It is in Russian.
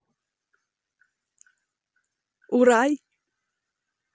урай